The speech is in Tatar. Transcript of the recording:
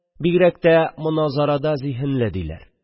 Бигрәк тә моназарада зиһенле, диләр.